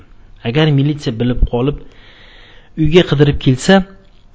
gar militsiya bilib qolib uyga qidirib kelsa